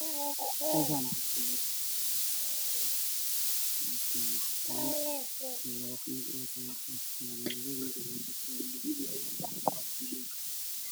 Meeshaan waxaa iga muuqday saddex wiil oo ku fadhiya kursi gadaalna waxaa ka jiro jinkad iyo sabuurad